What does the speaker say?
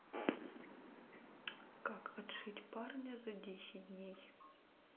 как отшить парня за десять дней